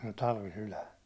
- talvisydän